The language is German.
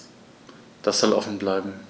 Das soll offen bleiben.